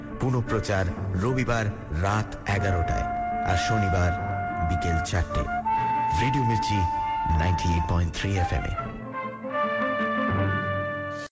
পুনঃপ্রচার রবিবার রাত ১১ টায় আর শনিবার বিকেল ৪ টেয় রেডিও মির্চি ৯৮.৩ এফ এম